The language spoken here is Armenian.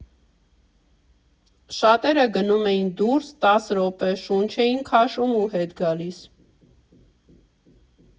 Շատերը գնում էին դուրս, տասը րոպե շունչ էին քաշում ու հետ գալիս։